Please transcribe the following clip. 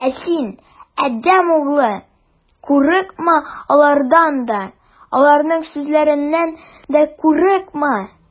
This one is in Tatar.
Ә син, адәм углы, курыкма алардан да, аларның сүзләреннән дә курыкма.